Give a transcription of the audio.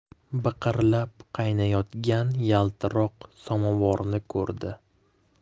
biqirlab qaynayotgan yaltiroq somovarni ko'rdi